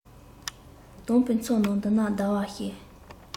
དྭངས པའི མཚོ ནང འདི ན ཟླ བ ཞེས